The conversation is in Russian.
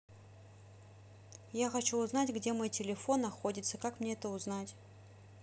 я хочу узнать где мой телефон находится как мне это узнать